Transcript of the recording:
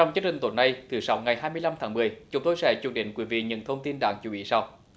trong chương trình tối nay thứ sáu ngày hai mươi lăm tháng mười chúng tôi sẽ chuyển đến quý vị những thông tin đáng chú ý sau